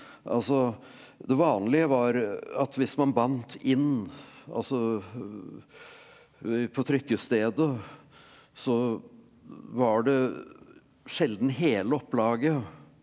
altså det vanlige var at hvis man bandt inn altså på trykkestedet så var det sjeldent hele opplaget.